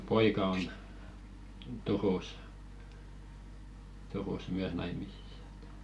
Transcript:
poika on Turussa Turussa myös naimisissa että